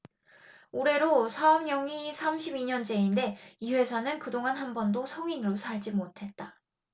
올해로 사업 영위 삼십 이 년째인데 이 회사는 그동안 한 번도 성인으로 살지 못했다